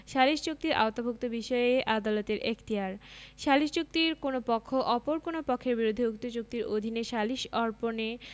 সালিস চুক্তির আওতাভুক্ত বিষয়ে আদালতের এখতিয়ারঃ সালিস চুক্তির কোন পক্ষ অপর কোন পক্ষের বিরুদ্ধে উক্ত চুক্তির অধীনৈ সালিস অর্পণে